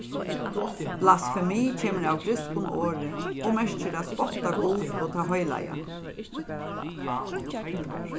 blasfemi kemur av grikskum orði og merkir at spotta gud og tað heilaga